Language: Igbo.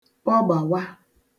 kpọgbàwa